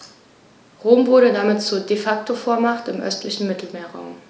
Rom wurde damit zur ‚De-Facto-Vormacht‘ im östlichen Mittelmeerraum.